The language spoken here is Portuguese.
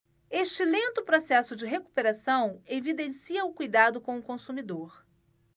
este lento processo de recuperação evidencia o cuidado com o consumidor